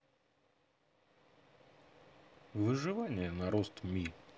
выживание на рост ми